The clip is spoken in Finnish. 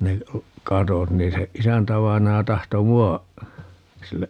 ne katot niin se isäntävainaja tahtoi minua sille